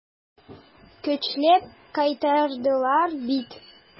Көчләп кайтардылар бит.